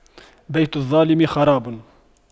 بيت الظالم خراب